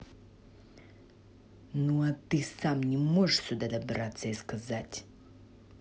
ну а ты сам не можешь сюда добраться и сказать